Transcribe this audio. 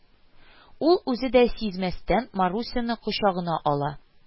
Ул, үзе дә сизмәстән, Марусяны кочагына ала